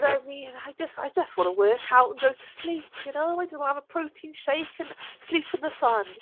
"I mean, I just I just want to work out and go to sleep, you know? I just want to have a protein shake and sleep in the sun."